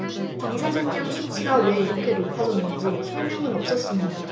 방사선량 수치가 왜 이렇게 높아졌는지 설명은 없었습니다